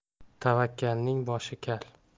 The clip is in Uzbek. tavakkalning boshi kal